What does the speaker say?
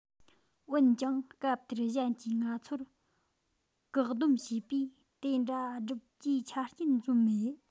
འོན ཀྱང སྐབས དེར གཞན གྱིས ང ཚོར བཀག སྡོམ བྱས པས དེ འདྲ བསྒྲུབ རྒྱུའི ཆ རྐྱེན འཛོམས མེད